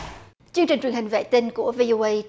chương trình truyền hình vệ tinh của vi o ây